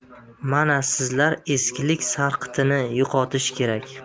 mana sizlar eskilik sarqitini yo'qotish kerak